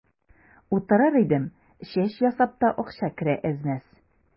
Утырыр идем, чәч ясап та акча керә әз-мәз.